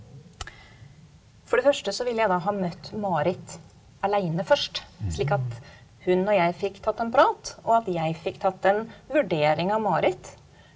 for det første så ville jeg da ha møtt Marit aleine først slik at hun og jeg fikk tatt en prat og at jeg fikk tatt en vurdering av Marit.